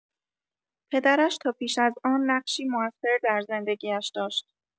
پدرش تا پیش از آن نقشی موثر در زندگی‌اش داشت.